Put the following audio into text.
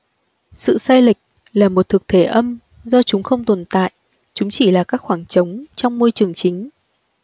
sự sai lệch là một thực thể âm do chúng không tồn tại chúng chỉ là các khoảng trống trong môi trường chính